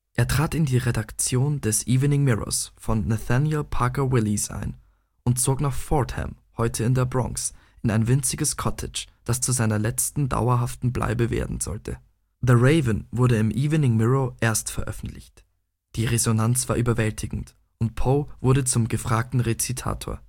Er trat in die Redaktion des Evening Mirror von Nathaniel Parker Willis ein und zog nach Fordham (heute in der Bronx) in ein winziges Cottage, das zu seiner letzten dauerhaften Bleibe werden sollte. The Raven wurde im Evening Mirror erstveröffentlicht. Die Resonanz war überwältigend, und Poe wurde zum gefragten Rezitator